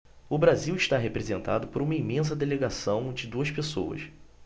o brasil está representado por uma imensa delegação de duas pessoas